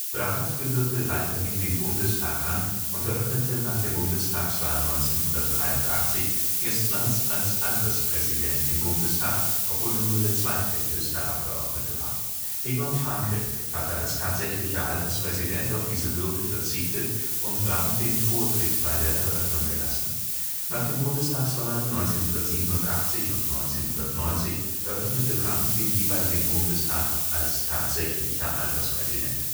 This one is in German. Brandt gehörte weiterhin dem Bundestag an und eröffnete nach der Bundestagswahl 1983 erstmals als Alterspräsident den Bundestag, obwohl er nur der zweitälteste Abgeordnete war. Egon Franke hatte als tatsächlicher Alterspräsident auf diese Würde verzichtet und Brandt den Vortritt bei der Eröffnung gelassen. Nach den Bundestagswahlen 1987 und 1990 eröffnete Brandt den jeweiligen Bundestag als tatsächlicher Alterspräsident